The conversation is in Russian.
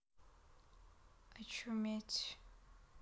очуметь